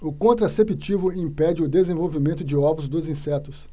o contraceptivo impede o desenvolvimento de ovos dos insetos